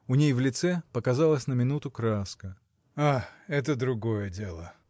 у ней в лице показалась на минуту краска. — А, это другое дело!